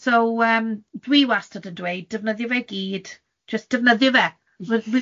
So yym dwi wastad yn dweud defnyddio fe i gyd, jyst defnyddio fe.